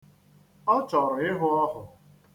Ọ chọrọ ịhụ ọhụ.